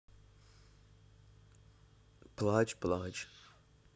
плачь плачь